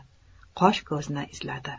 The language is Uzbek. qosh ko'zni izladi